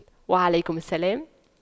وعليكم السلام